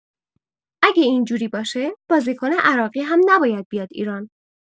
اگه این‌جوری باشه، بازیکن عراقی هم نباید بیاد ایران.